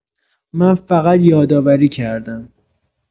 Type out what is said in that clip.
من فقط یادآوری کردم.